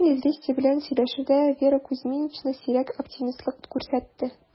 Ләкин "Известия" белән сөйләшүдә Вера Кузьминична сирәк оптимистлык күрсәтте: